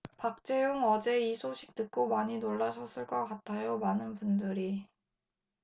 박재홍 어제 이 소식 듣고 많이 놀라셨을 것 같아요 많은 분들이